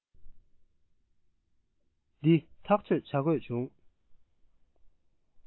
འདི ཐག གཅོད བྱ དགོས བྱུང